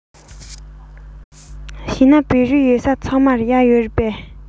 བྱས ན བོད རིགས ཡོད ས ཚང མར གཡག ཡོད རེད པས